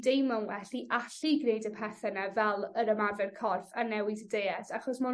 deimlo'n well i allu gneud y pethe 'na fel yr ymarfer corff a newid y deiet achos ma' o'n